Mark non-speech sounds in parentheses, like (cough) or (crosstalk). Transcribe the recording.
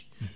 (hesitation)